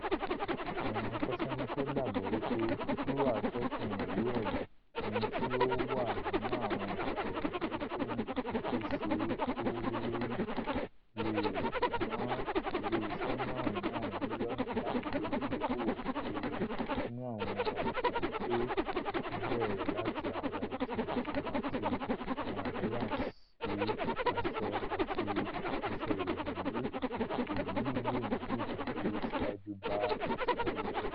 Àwọn akọ́ṣẹ́mọṣẹ́ gbàgbọ́ wipe kíkúrò atọ́kùn Òwúrọ̀ yìí, enití ó wà nínú àwọn ìràwọ̀ Briteeni tó ṣeé kówó lé lori, leè ná ilé-iṣẹ́ nàà ni àwọn mílíọ̀nụ̀ pọ́ùn nitori ìdókòwò tó wúwo nínú àwọn ọjà èyití tó bẹ̀rẹ̀ láti àwọn tìmù-tìmu àti àwọn àbẹ́là sí asọ àti asọ íwọ́ nílé, èyíì le mú ìdádúró siwaju bá ìfilọ́lẹ̀ rẹ̀.